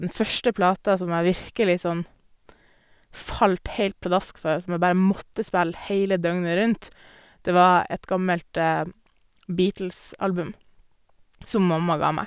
Den første platen som jeg virkelig sånn falt heilt pladask for, som jeg bare måtte spille hele døgnet rundt, det var et gammelt Beatles-album som mamma ga meg.